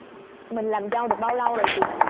mình làm dâu được bao lâu rồi chị